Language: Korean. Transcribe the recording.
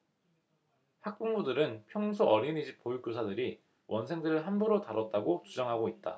학부모들은 평소 어린이집 보육교사들이 원생들을 함부로 다뤘다고 주장하고 있다